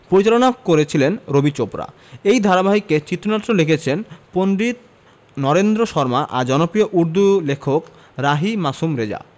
পরিচালনা করেছেন রবি চোপড়া এই ধারাবাহিকের চিত্রনাট্য লিখেছেন পণ্ডিত নরেন্দ্র শর্মা আর জনপ্রিয় উর্দু লেখক রাহি মাসুম রেজা